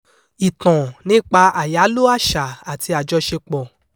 Ìtàn nípa àyálò àṣà àti àjọṣepọ̀